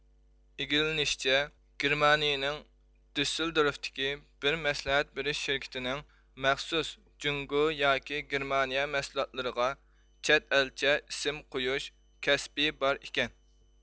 ئىگىلىنىشىچە گېرمانىيىنىڭ دۈسسېلدورفتىكى بىر مەسلىھەت بېرىش شىركىتىنىڭ مەخسۇس جۇڭگو ياكى گېرمانىيە مەھسۇلاتلىرىغا چەت ئەلچە ئىسىم قويۇش كەسپى بار ئىكەن